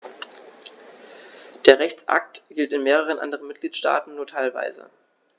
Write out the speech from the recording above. Der Rechtsakt gilt in mehreren anderen Mitgliedstaaten nur teilweise.